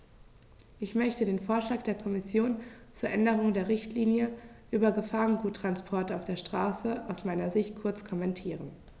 Ich möchte den Vorschlag der Kommission zur Änderung der Richtlinie über Gefahrguttransporte auf der Straße aus meiner Sicht kurz kommentieren.